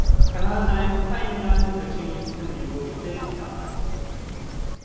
가난한 자의 코카인이라는 별칭이 붙은 이유도 이 때문이다